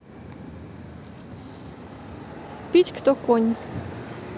пить кто конь